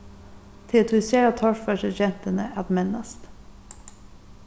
tað er tí sera torført hjá gentuni at mennast